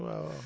waawaaw